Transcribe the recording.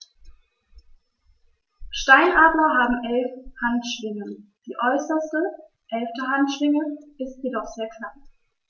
Steinadler haben 11 Handschwingen, die äußerste (11.) Handschwinge ist jedoch sehr klein.